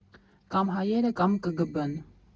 Կամ հայերը, կամ ԿԳԲ֊ն։